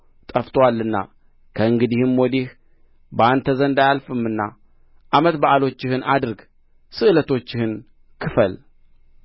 ጠፍቶአልና ከእንግዲህም ወዲህ በአንተ ዘንድ አያልፍምና ዓመት በዓሎችህን አድርግ ስእለቶችህን ክፈል